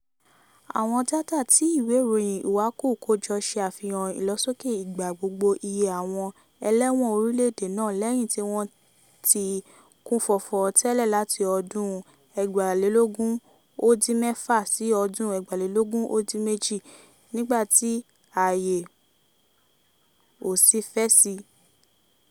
Àwọn dátà tí ìwé ìròyìn Iwacu kò jọ ṣe àfihàn ìlọsókè ìgbà gbogbo iye àwọn ẹlẹ́wọ̀n orílẹ̀-èdè náà lèyí tí wọ́n ti kúnfọ́nfọ́n tẹ́lẹ̀ láti ọdún 2014 sí ọdún 2018, nígbà tí ààyè ò sì fẹ̀ si.